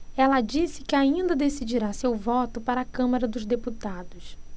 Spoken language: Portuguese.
ela disse que ainda decidirá seu voto para a câmara dos deputados